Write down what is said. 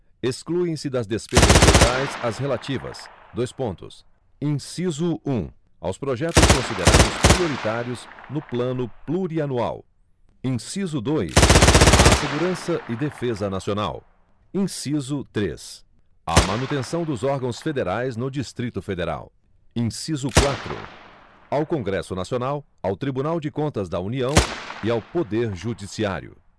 excluem se das despesas totais as relativas dois pontos inciso um aos projetos considerados prioritários no plano plurianual inciso dois à segurança e defesa nacional inciso três à manutenção dos órgãos federais no distrito federal inciso quatro ao congresso nacional ao tribunal de contas da união e ao poder judiciário